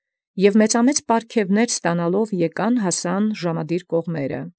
Եւ մեծամեծ պարգևս գտեալ, գային հասանէին ի ժամադիր կողմանս։